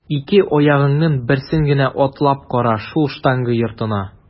Ике аягыңның берсен генә атлап кара шул штанга йортына!